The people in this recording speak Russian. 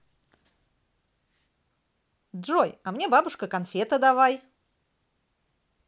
джой а мне бабушка конфета давай